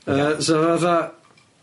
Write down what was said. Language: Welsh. Yy so fatha